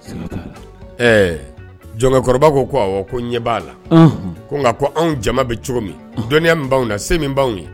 Ɛɛ jɔnkɔrɔba ko ko awɔ, ko n ɲɛ b'a la, ɔnhɔn , nka anw jama bɛ cogo min , dɔnniya b'anw la, se min b'anw ye